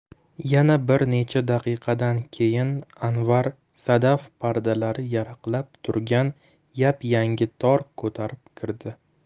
yana bir necha daqiqadan keyin anvar sadaf pardalari yaraqlab turgan yap yangi tor ko'tarib kirdi